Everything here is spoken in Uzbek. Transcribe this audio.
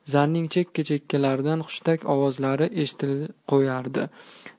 zalning chekka chekkalaridan hushtak ovozlari eshitilib qoyardi